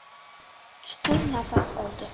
chuqur nafas oldi